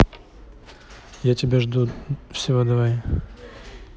я тебя жду всего давай